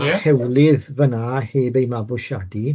...a hewlydd fynna heb eu mabwysiadu.